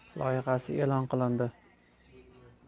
tegishli qarori loyihasi e'lon qilindi